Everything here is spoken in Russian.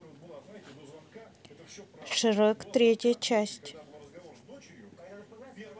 шрек третья часть